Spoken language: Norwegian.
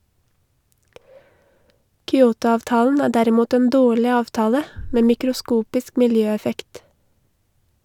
Kyotoavtalen er derimot en dårlig avtale , med mikroskopisk miljøeffekt.